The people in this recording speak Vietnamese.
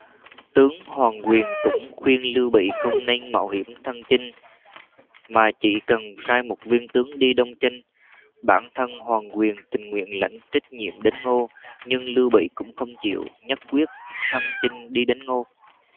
tướng hoàng quyền cũng khuyên lưu bị không nên mạo hiểm thân chinh mà chỉ cần sai một viên tướng đi đông chinh bản thân hoàng quyền tình nguyện lãnh trách nhiệm đánh ngô nhưng lưu bị cũng không chịu nhất quyết thân chinh đi đánh ngô